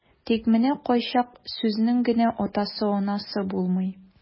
Тик менә кайчак сүзенең генә атасы-анасы булмый.